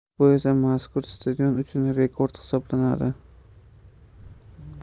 bu esa mazkur stadion uchun rekord hisoblanadi